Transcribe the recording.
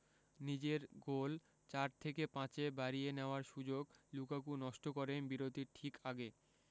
নিজের গোল চার থেকে পাঁচে বাড়িয়ে নেওয়ার সুযোগ লুকাকু নষ্ট করেন বিরতির ঠিক আগে